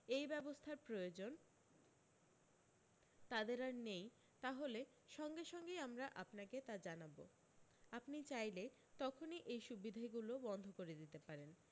এই ব্যবস্থার প্রয়োজন তাদের আর নেই তাহলে সঙ্গে সঙ্গেই আমরা আপনাকে তা জানাব আপনি চাইলে তখনি এই সুবিধেগুলো বন্ধ করে দিতে পারেন